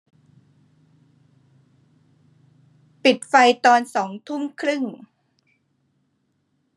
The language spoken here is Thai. ปิดไฟตอนสองทุ่มครึ่ง